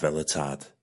...fel y tad.